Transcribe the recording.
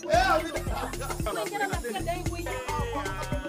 Wa y'adu tile se kun diɲɛ